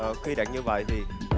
ờ khi đặt như vậy thì